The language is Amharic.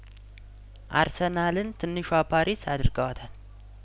አርሰናልን ትንሿ ፓሪስ አድርገዋታል